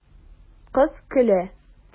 Кыз көлә.